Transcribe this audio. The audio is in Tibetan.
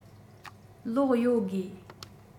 གློག ཡོད དགོས